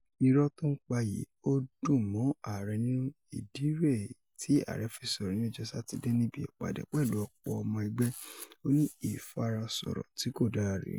Irọ́ tó ń pa yìí ‘ò dùn mọ́ ààrẹ nínú. Ìdí rẹ̀ẹ́ ti ààrẹ fi sọ̀rọ̀ ní ọjọ́ Sátidé níbi ìpàdé pẹ̀lú ọ̀pọ̀ ọmọ ẹgbẹ́. Ó ní: “Ìfarasọ̀rọ̀ tí kò dára rèé